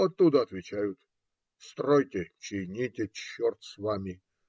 Оттуда отвечают: стройте, чините, черт с вами!